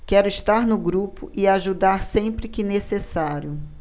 quero estar no grupo e ajudar sempre que necessário